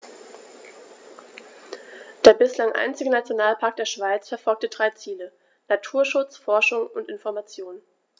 Der bislang einzige Nationalpark der Schweiz verfolgt drei Ziele: Naturschutz, Forschung und Information.